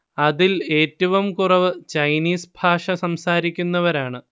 അതിൽ ഏറ്റവും കുറവ് ചൈനീസ് ഭാഷ സംസാരിക്കുന്നവരാണ്